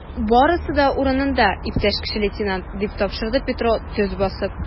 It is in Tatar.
Барысы да урынында, иптәш кече лейтенант, - дип тапшырды Петро, төз басып.